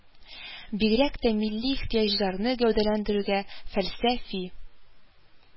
Бигрәк тә милли ихтыяҗларны гәүдәләндерүгә, фәлсә фи